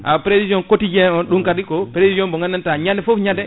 ha prévision quotidienne o ɗum kadi prévision mo gandanta ñade foof ñade